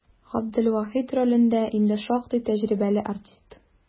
Габделвахит ролендә инде шактый тәҗрибәле артист.